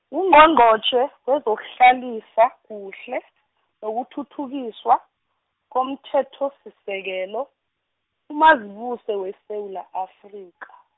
Ungqongqotjhe, wezokuhlalisa kuhle, nokuthuthukiswa, komThethosisekelo, uMazibuse weSewula Afrika.